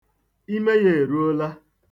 Ime ya eruola.